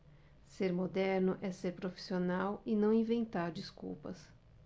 ser moderno é ser profissional e não inventar desculpas